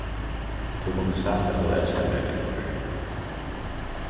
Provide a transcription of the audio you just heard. tú kundi sagt at tú elskar meg viðhvørt